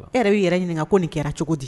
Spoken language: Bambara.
E yɛrɛ b'i yɛrɛ ɲininka ko nin kɛra cogo di.